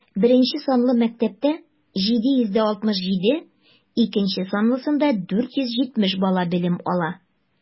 Беренче санлы мәктәптә - 767, икенче санлысында 470 бала белем ала.